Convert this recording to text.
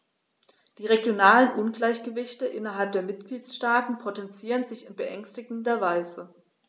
Die regionalen Ungleichgewichte innerhalb der Mitgliedstaaten potenzieren sich in beängstigender Weise.